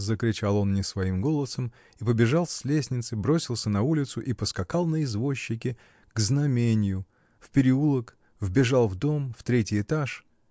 — закричал он не своим голосом и побежал с лестницы, бросился на улицу и поскакал на извозчике к Знаменью, в переулок, вбежал в дом, в третий этаж.